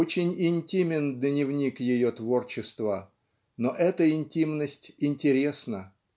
Очень интимен дневник ее творчества, но эта интимность интересна